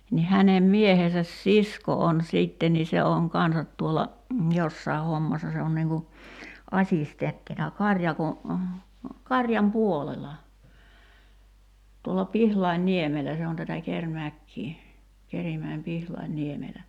niin hänen miehensä sisko on sitten niin se on kanssa tuolla jossakin hommassa se on niin kuin assistenttina karjakon karjan puolella tuolla Pihlainniemellä se on tätä Kerimäkeä Kerimäen Pihlainniemellä